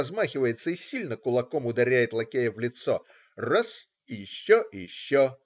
, размахивается и сильно кулаком ударяет лакея в лицо раз, еще и еще.